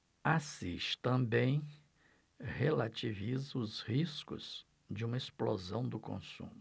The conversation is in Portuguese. assis também relativiza os riscos de uma explosão do consumo